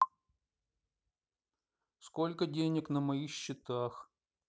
сколько денег на моих счетах